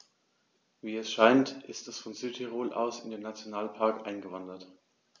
Wie es scheint, ist er von Südtirol aus in den Nationalpark eingewandert.